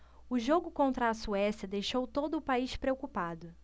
o jogo contra a suécia deixou todo o país preocupado